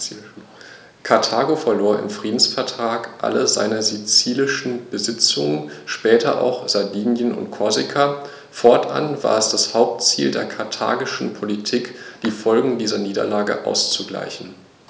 Karthago verlor im Friedensvertrag alle seine sizilischen Besitzungen (später auch Sardinien und Korsika); fortan war es das Hauptziel der karthagischen Politik, die Folgen dieser Niederlage auszugleichen.